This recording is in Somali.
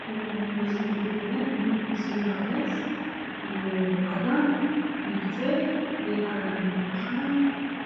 Halkaan waxaa ku yaala guryo badan oo midabkiisa yahay cadays iyo cadaan iyo kafay geed cagaarane oo ka baxaayaan.